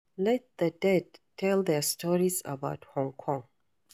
Let the dead tell their stories about Hong Kong